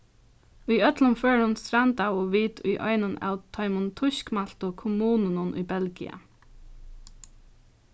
í øllum førum strandaðu vit í einum av teimum týskmæltu kommununum í belgia